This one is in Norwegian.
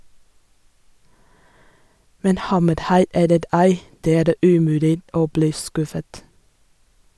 Men hammerhai eller ei - det er umulig å bli skuffet.